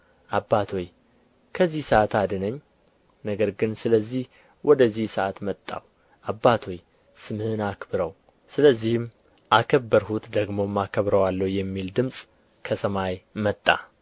አባት ሆይ ከዚህ ሰዓት አድነኝ ነገር ግን ስለዚህ ወደዚህ ሰዓት መጣሁ አባት ሆይ ስምህን አክብረው ስለዚህም አከበርሁት ደግሞም አከብረዋለሁ የሚል ድምፅ ከሰማይ መጣ